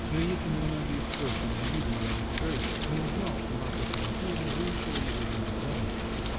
но и эти немногие строки удивили Ивана Петровича: он не знал, что Марфа Тимофеевна выучила его жену грамоте.